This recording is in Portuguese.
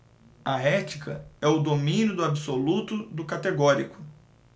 a ética é o domínio do absoluto do categórico